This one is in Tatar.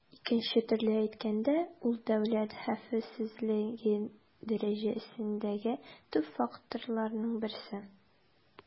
Икенче төрле әйткәндә, ул дәүләт хәвефсезлеге дәрәҗәсендәге төп факторларның берсе.